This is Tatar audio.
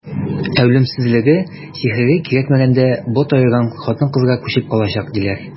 Ә үлемсезлеге, сихере кирәкмәгәндә бот аерган кыз-хатынга күчеп калачак, диләр.